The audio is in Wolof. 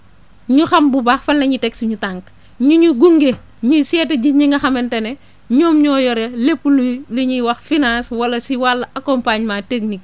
ñu xam bu baax fan la ñuy teg suñu tànk ñu ñuy gunge ñuy seeti ji ñi nga xamante ne ñoom ñoo yore lépp luy li ñuy wax finance wala si wàll accompagnement technique